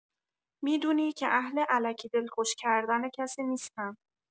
می‌دونی که اهل الکی دلخوش کردن کسی نیستم.